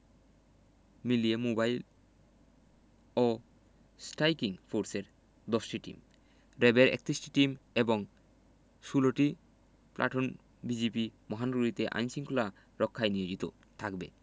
মিলিয়ে মোবাইল ও স্ট্রাইকিং ফোর্সের ১০টি টিম র ্যাবের ৩১টি টিম এবং ১৬ প্লাটুন বিজিবি মহানগরীতে আইন শৃঙ্খলা রক্ষায় নিয়োজিত থাকবে